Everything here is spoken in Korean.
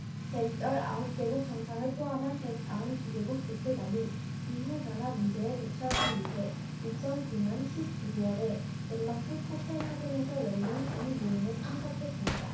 백 열 아홉 개국 정상을 포함한 백 아흔 두 개국 대표단이 기후 변화 문제에 대처하기 위해 이천 구 년 십 이 월에 덴마크 코펜하겐에서 열린 이 모임에 참석했습니다